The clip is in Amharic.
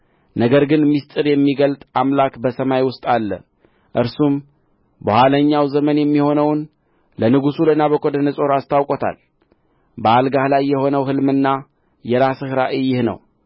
ነገር ግን ምሥጢር የሚገልጥ አምላክ በሰማይ ውስጥ አለ እርሱም በኋለኛው ዘመን የሚሆነውን ለንጉሡ ለናቡከደነፆር አስታውቆታል በአልጋህ ላይ የሆነው ሕልምና የራስህ ራእይ ይህ ነው